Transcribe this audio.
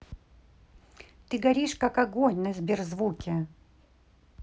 ты горишь как огонь на сберзвуке